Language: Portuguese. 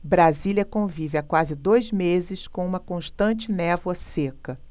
brasília convive há quase dois meses com uma constante névoa seca